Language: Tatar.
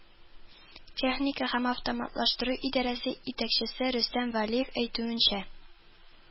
Техника һәм автоматлаштыру идарәсе итәкчесе рөстәм вәлиев әйтүенчә